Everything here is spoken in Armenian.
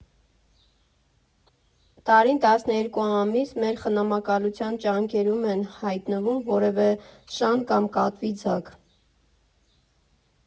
Տարին տասներկու ամիս մեր խնամակալության ճանկերում էր հատնվում որևէ շան կամ կատվի ձագ։